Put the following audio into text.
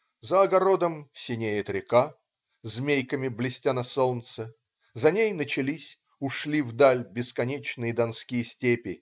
За огородом синеет река, змейками блестя на солнце, за ней начались, ушли вдаль бесконечные донские степи.